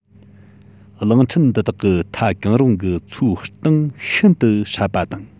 གླིང ཕྲན འདི དག གི མཐའ གང རུང གི མཚོའི གཏིང ཤིན ཏུ སྲབ པ དང